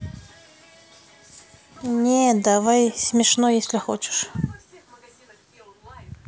не давай смешно если хочешь